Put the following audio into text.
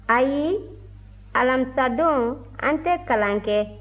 ayi alamisadon an tɛ kalan kɛ